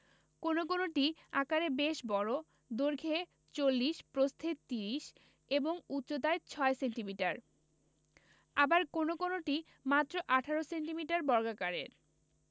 কোন কোনটি আকারে বেশ বড় দৈর্ঘ্যে ৪০ প্রস্থে ৩০ এবং উচ্চতায় ৬ সেন্টিমিটার আবার কোন কোনটি মাত্র ১৮ সেন্টিমিটার বর্গাকারের